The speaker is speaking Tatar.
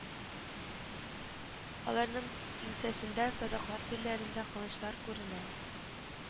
Аларның иңсәсендә садаклар билләрендә кылычлар күренә